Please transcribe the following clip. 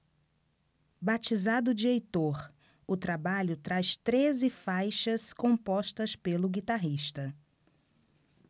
batizado de heitor o trabalho traz treze faixas compostas pelo guitarrista